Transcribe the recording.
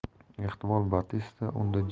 ehtimol batista unda